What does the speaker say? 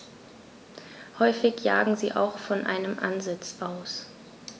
Häufig jagen sie auch von einem Ansitz aus.